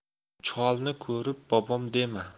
cholni ko'rib bobom dema